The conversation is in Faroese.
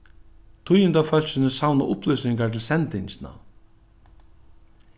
tíðindafólkini savna upplýsingar til sendingina